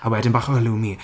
A wedyn bach o halloumi.